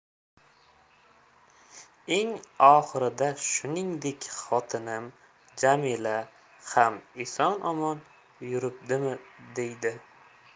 eng oxirida shuningdek xotinim jamila ham eson omon yuribdimi deydi